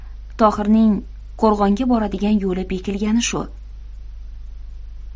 tohirning qo'rg'onga boradigan yo'li bekilgani shu